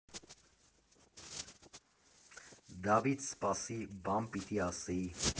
Դավիթ, սպասի, բան պիտի ասեի։